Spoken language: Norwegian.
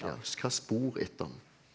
ja hva spor etter han?